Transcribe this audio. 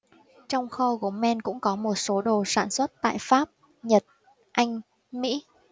trong kho gốm men cũng có một số đồ sản xuất tại pháp nhật anh mỹ